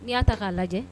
N' y'a ta k'a lajɛ